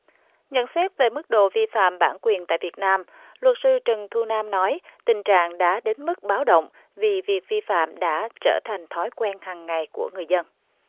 nhận xét về mức độ vi phạm bản quyền tại việt nam luật sư trần thu nam nói tình trạng đã đến mức báo động vì việc vi phạm đã trở thành thói quen hằng ngày của người dân